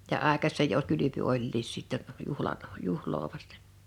ja aikaisin jo - kylpy olikin sitten juhlan juhlaa vasten